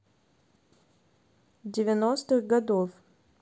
девяностых годов